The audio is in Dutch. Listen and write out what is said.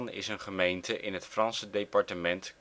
is een gemeente in het Franse departement